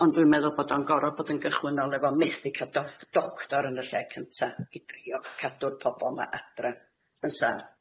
ond dwi'n meddwl bod o'n gor'o' bod yn gychwynnol efo methu ca'l doc- doctor yn y lle cynta, i drio cadw'r pobol 'ma adre, yn saff.